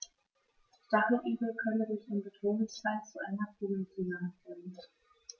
Stacheligel können sich im Bedrohungsfall zu einer Kugel zusammenrollen.